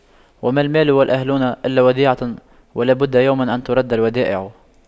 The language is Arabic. وما المال والأهلون إلا وديعة ولا بد يوما أن تُرَدَّ الودائع